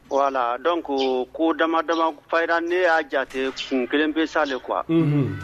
Wala dɔn ko ko dama dama fara ne y'a jate kun kelen bɛ sa de kuwa